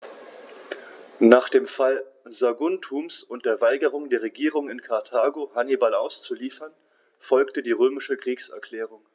Nach dem Fall Saguntums und der Weigerung der Regierung in Karthago, Hannibal auszuliefern, folgte die römische Kriegserklärung.